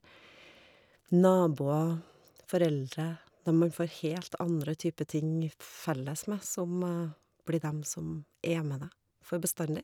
Naboer, foreldre, dem man får helt andre type ting fp felles med, som blir dem som er med deg for bestandig.